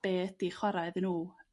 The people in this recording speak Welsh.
be' ydi chwara' iddyn nhw.